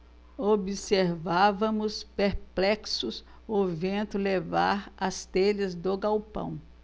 observávamos perplexos o vento levar as telhas do galpão